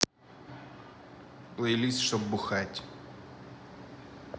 плейлист чтобы бухать